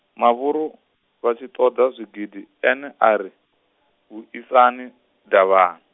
mavhuru, vha tshi ṱoḓa zwigidi, ene ari, vhuisani Davhana.